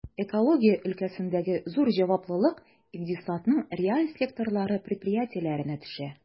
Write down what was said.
Экология өлкәсендәге зур җаваплылык икътисадның реаль секторлары предприятиеләренә төшә.